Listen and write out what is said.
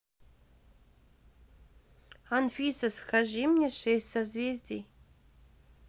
анфиса скажи мне шесть созвездий